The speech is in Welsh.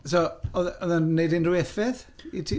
So oedd oedd e'n gwneud unrhyw effaith i ti?